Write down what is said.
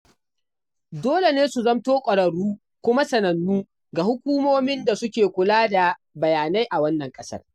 Dole ne su zamto ƙwararru kuma sanannu ga hukumomin da suke kula da bayanai a wannan ƙasar.